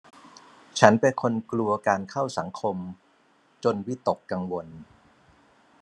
ฉันเป็นคนกลัวการเข้าสังคมจนวิตกกังวล